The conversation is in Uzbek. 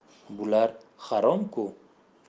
bular haromku